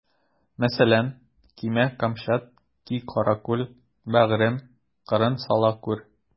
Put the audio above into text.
Мәсәлән: Кимә камчат, ки каракүл, бәгърем, кырын сала күр.